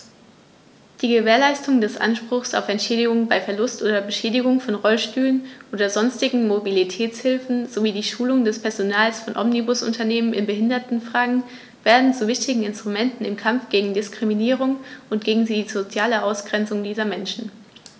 Die Gewährleistung des Anspruchs auf Entschädigung bei Verlust oder Beschädigung von Rollstühlen oder sonstigen Mobilitätshilfen sowie die Schulung des Personals von Omnibusunternehmen in Behindertenfragen werden zu wichtigen Instrumenten im Kampf gegen Diskriminierung und gegen die soziale Ausgrenzung dieser Menschen.